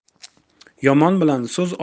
yomon bilan so'z